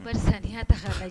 Barisa n'i y'a ta k'a la